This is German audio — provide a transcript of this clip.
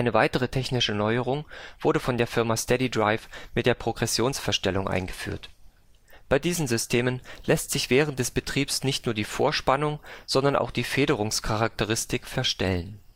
weitere technische Neuerung wurde von der Firma Steadydrive mit der Progressionsverstellung eingeführt. Bei diesen Systemen lässt sich während des Betriebs nicht nur die Vorspannung, sondern auch die Federungscharakteristik verstellen